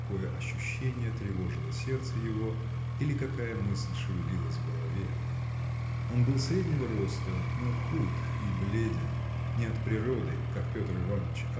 какое ощущение тревожило сердце его или какая мысль шевелилась в голове. Он был среднего роста но худ и бледен – не от природы как Петр Иваныч